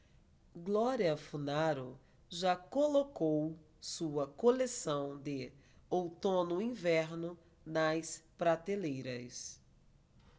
glória funaro já colocou sua coleção de outono-inverno nas prateleiras